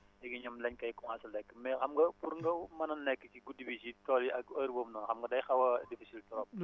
léegi ñoom lañ koy commencé lekk mais xam nga pour nga mën a nekk ci guddi bi si tool yi ak heure boobu noonu xam nga day xaw a difficile trop